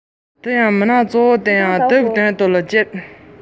ལྕེབས ཤིང མི སྣ གཙོ བ དེ ལ